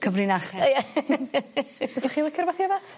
Cyfrinache. A ie . Fysach chi licio rwbath i yfed?